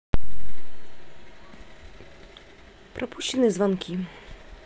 пропущенные звонки